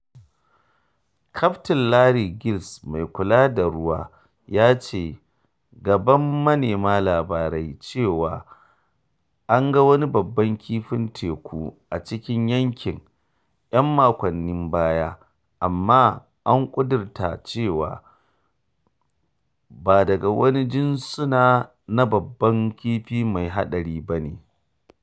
Kaftin Larry Giles mai kula da rayuwa ya ce a gaban manema labarai cewa an ga wani babban kifin teku a cikin yankin ‘yan makonni baya, amma an ƙudurta cewa ba daga wani jinsuna na babban kifi mai haɗari ne ba.